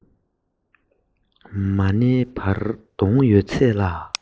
ནག དྲེག ཆགས པ མ ཟད